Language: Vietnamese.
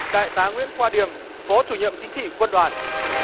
đại tá nguyễn khoa điềm phó chủ nhiệm chính trị quân đoàn